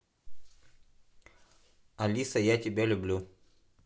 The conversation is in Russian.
алиса я тебя люблю